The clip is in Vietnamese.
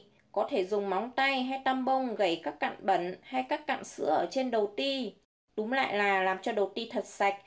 có thể dùng móng tay hay tăm bông gẩy các cặn bẩn hay các cặn sữa ở trên đầu ti túm lại là làm cho đầu ti thật sạch